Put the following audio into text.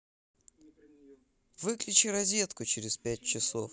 выключи розетку через пять часов